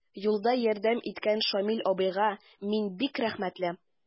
Юлда ярдәм иткән Шамил абыйга мин бик рәхмәтле.